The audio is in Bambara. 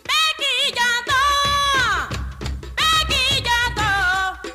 I ka ta i ka ta